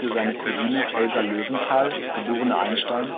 seine Cousine Elsa Löwenthal (geb. Einstein